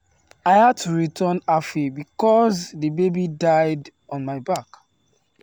“I had to return halfway because the baby died on my back.”